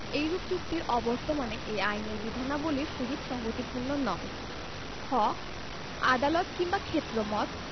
এইরূপ চুক্তির অবর্তমানে এই আইনের বিধানাবলীর সহিত সংগতিপূর্ণ নয় খ আদালত কিংবা ক্ষেত্রমত